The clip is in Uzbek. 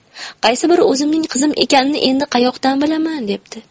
qaysi biri o'zimning qizim ekanini endi qayoqdan bilaman debdi